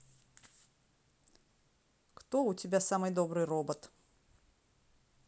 кто у тебя самый добрый робот